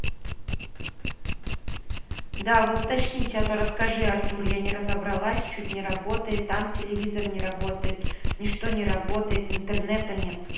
да вы уточните а то расскажи артур я не разобралась чуть не работает там телевизор не работает ничто не работает интернета нет